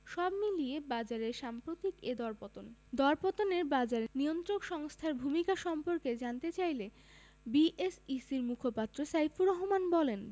সব মিলিয়ে বাজারের সাম্প্রতিক এ দরপতন দরপতনের বাজারে নিয়ন্ত্রক সংস্থার ভূমিকা সম্পর্কে জানতে চাইলে বিএসইসির মুখপাত্র সাইফুর রহমান বলেন